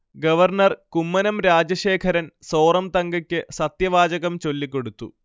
governor Kummanam Rajasekharan സോറംതങ്കയ്ക്ക് സത്യവാചകം ചൊല്ലിക്കൊടുത്തു